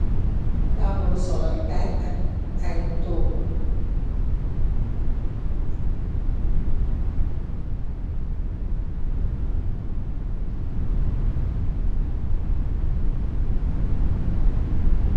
Taabulu solee KAAY ak ay toogu